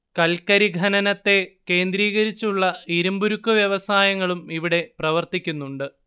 കൽക്കരി ഖനനത്തെ കേന്ദ്രീകരിച്ചുള്ള ഇരുമ്പുരുക്ക് വ്യവസായങ്ങളും ഇവിടെ പ്രവർത്തിക്കുന്നുണ്ട്